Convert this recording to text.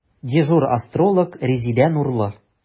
Дежур астролог – Резеда Нурлы.